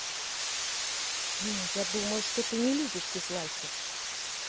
ну я думаю что ты не любишь дизлайки